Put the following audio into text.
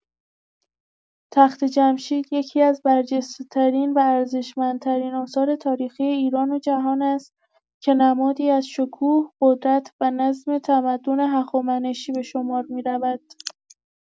تخت‌جمشید یکی‌از برجسته‌ترین و ارزشمندترین آثار تاریخی ایران و جهان است که نمادی از شکوه، قدرت و نظم تمدن هخامنشی به شمار می‌رود.